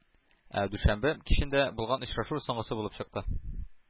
Ә дүшәмбе кичендә булган очрашу соңгысы булып чыкты.